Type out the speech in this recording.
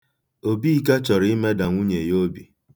Obika chọrọ imeda nwunye ya obi.